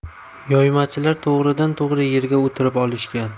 yoymachilar to'g'ridan to'g'ri yerga o'tirib olishgan